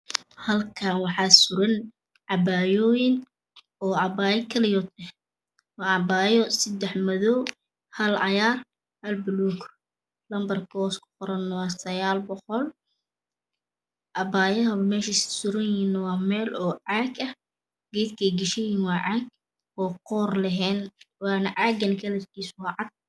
Mashan wax surana cabayado sadax madow ah iyo cagar iyo baluug nabarka hoos kuqoran sagal boqol